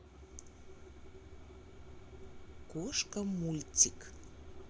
кошка мультик